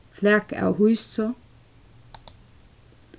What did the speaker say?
flak av hýsu